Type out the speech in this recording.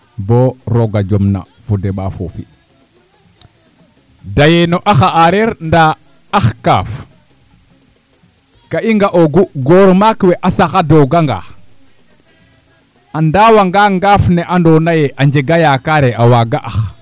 boo rooga jomna fa deɓaa foofi dayee na axa aareer ndaa ax kaaf ka'i nga'oogu goor maak we a saxadooganga a ndawanga ngaaf ne andoona yee a njega yaakar ee a waaga ax